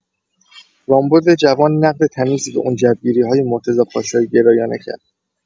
رامبدجوان نقد تمیزی به اون جوگیری‌های مرتضی پاشایی‌گرایانه کرد.